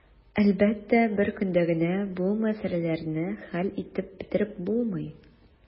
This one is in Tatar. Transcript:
Әлбәттә, бер көндә генә бу мәсьәләләрне хәл итеп бетереп булмый.